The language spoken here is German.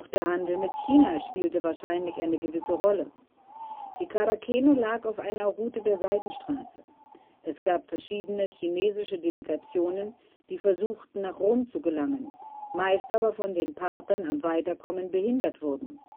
der Handel mit China spielte wahrscheinlich eine gewisse Rolle. Die Charakene lag auf einer Route der Seidenstrasse. Es gab verschiedene chinesische Delegationen, die versuchten nach Rom zu gelangen, meist aber von den Parthern am Weiterkommen behindert wurden